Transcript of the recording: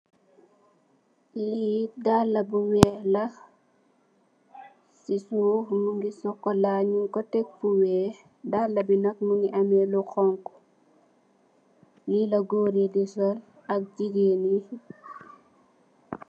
Lii dalabu wekh la si suff mungi socola ñinko tekfu wekh dalabi nak mungi ameh lu xonxu Lila gorryi do sol ak gigeen Yi.